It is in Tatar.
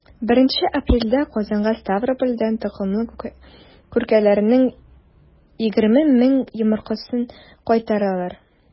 1 апрельдә казанга ставропольдән токымлы күркәләрнең 20 мең йомыркасын кайтаралар.